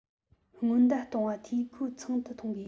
སྔོན བརྡ གཏོང བ འཐུས སྒོ ཚང དུ གཏོང དགོས